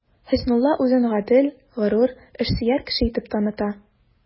Хөснулла үзен гадел, горур, эшсөяр кеше итеп таныта.